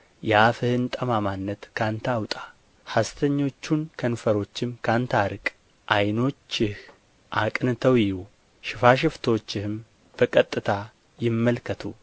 የአፍህን ጠማማነት ከአንተ አውጣ ሐሰተኞቹን ከንፈሮችም ከአንተ አርቅ ዓይኖችህ አቅንተው ይዩ ሽፋሽፍቶችህም በቀጥታ ይመልከቱ